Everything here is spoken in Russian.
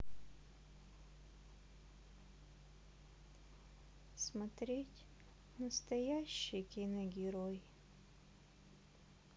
смотреть настоящий киногерой